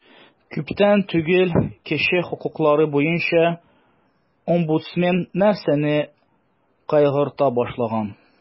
Күптән түгел кеше хокуклары буенча омбудсмен нәрсәне кайгырта башлаган?